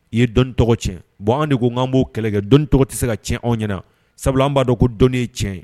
I ye dɔni tɔgɔ cɛn, bon an de ko k'an b'o kɛlɛ kɛ , dɔnni tɔgɔ tɛ se ka tiɲɛ anw ɲɛna sabula an b'a dɔn ko dɔnni ye tiɲɛ ye.